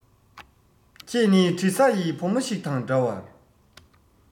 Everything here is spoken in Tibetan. ཁྱེད ནི དྲི ཟ ཡི བུ མོ ཞིག དང འདྲ བར